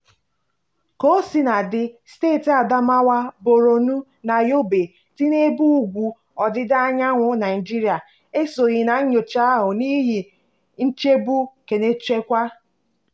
Kaosinadị, steeti Adamawa, Boronu, na Yobe dị n'ebe ugwu ọdịdaanyanwụ Naịjirịa esoghị na nnyocha ahụ n'ihi nchegbu kenchekwa.